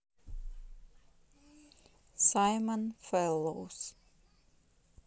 саймон феллоуз